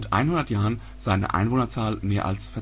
100 Jahren seine Einwohnerzahl mehr als